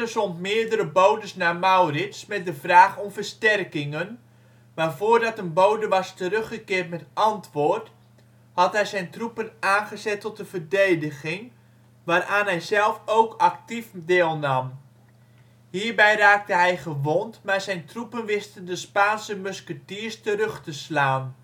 zond meerdere bodes naar Maurits met de vraag om versterkingen, maar voordat een bode was teruggekeerd met antwoord, had hij zijn troepen aangezet tot de verdediging, waaraan hij zelf ook actief deelnam. Hierbij raakte hij gewond, maar zijn troepen wisten de Spaanse musketiers terug te slaan